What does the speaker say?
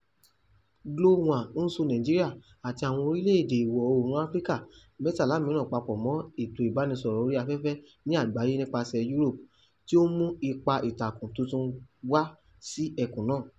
GLO-1 ń so Nigeria àti àwọn orílẹ̀-èdè Ìwọ̀-oòrùn Áfíríkà 13 mìíràn papọ̀ mọ́ ètò ìbánisọ̀rọ̀ orí afẹ́fẹ́ ní àgbáyé nípasẹ̀ Europe, tí ó ń mú ipá-ìtakùn tuntun wá sí ẹkùn náà.